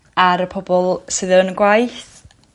ar y pobol sydd yn y gwaith.